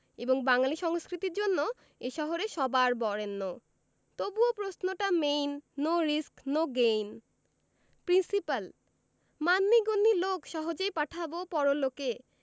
এবং বাঙালী সংস্কৃতির জন্য এ শহরে সবার বরেণ্য তবুও প্রশ্নটা main no risk no gain principal মান্যিগন্যি লোক সহজেই পাঠাবো পরলোকে